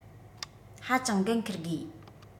ཧ ཅང འགན འཁུར དགོས